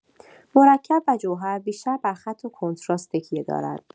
مرکب و جوهر بیشتر بر خط و کنتراست تکیه دارند.